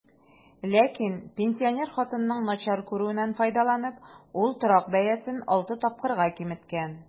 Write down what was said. Ләкин, пенсинер хатынның начар күрүеннән файдаланып, ул торак бәясен алты тапкырга киметкән.